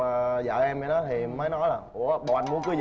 vợ em mới nói thì mới nói là ủa bộ anh muốn cưới